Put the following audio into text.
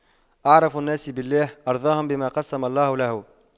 أعرف الناس بالله أرضاهم بما قسم الله له